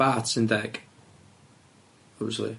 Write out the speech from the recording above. Bart sy'n deg, obviously.